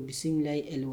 Bisimila' ye e wa